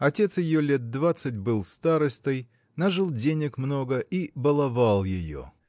Отец ее лет двадцать был старостой, нажил денег много и баловал ее.